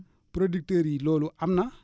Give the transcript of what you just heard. producteurs yi loolu am na